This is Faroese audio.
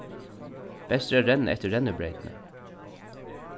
best er at renna eftir rennibreytini